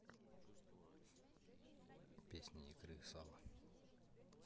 песня икры и сала